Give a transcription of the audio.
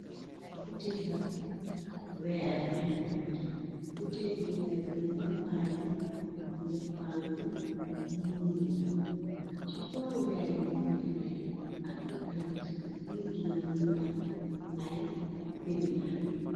buteel bu weer bina ndëppaandi ndëppaanbu ñu la ci ko weer bi ñu fatay ak ab kayit kër jina muñ am ay binda